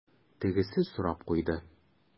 Тегесе сорап куйды: